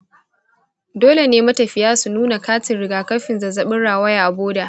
dole ne matafiya su nuna katin rigakafin zazzabin rawaya a boda.